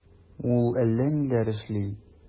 Ул әллә ниләр эшли...